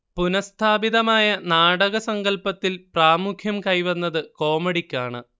പുനഃസ്ഥാപിതമായ നാടകസങ്കല്പത്തിൽ പ്രാമുഖ്യം കൈവന്നത് കോമഡിക്കാണ്